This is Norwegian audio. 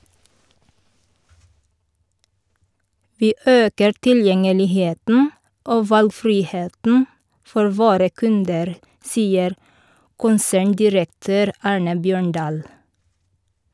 - Vi øker tilgjengeligheten og valgfriheten for våre kunder, sier konserndirektør Arne Bjørndahl.